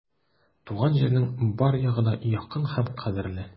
Туган җирнең бар ягы да якын һәм кадерле.